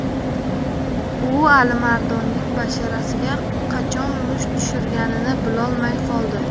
u alimardonning basharasiga qachon musht tushirganini bilolmay qoldi